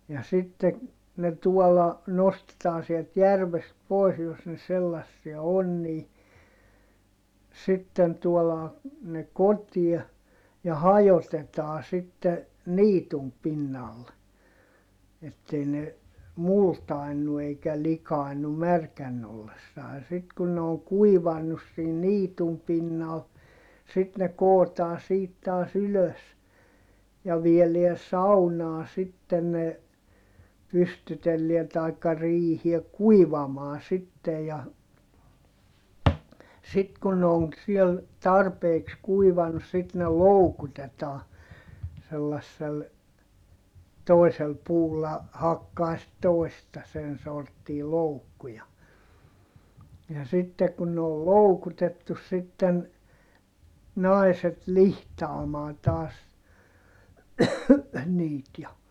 ja sitten ne tuolla nostetaan sieltä järvestä pois jos ne sellaisia on niin sitten tuodaan ne kotiin ja hajotetaan sitten niityn pinnalle että ei ne multaannu eikä likaannu märkänä ollessaan sitten kun ne on kuivanut siinä niityn pinnalla sitten ne kootaan siitä taas ylös ja viedään saunaan sitten ne pystytellään tai riiheen kuivamaan sitten ja sitten kun ne on siellä tarpeeksi kuivanut sitten ne loukutetaan sellaisella toisella puulla hakkaa sitten toista sen sorttia loukkua ja ja sitten kun ne oli loukutettu sitten naiset lihtaamaan taas niitä ja